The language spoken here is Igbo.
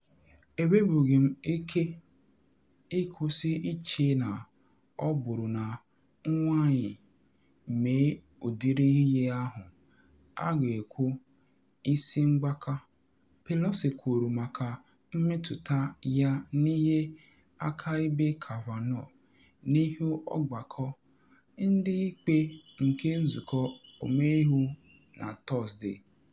“Enwenwughi m ike ịkwụsị ịche na ọ bụrụ na nwanyị mee ụdịrị ihe ahụ, ha ga-ekwu ‘isi mgbaka,”” Pelosi kwuru maka mmetụta ya n’ihe akaebe Kavanaugh n’ihu Ọgbakọ Ndị Ikpe nke Nzụkọ Ọmeiwu na Tọsde.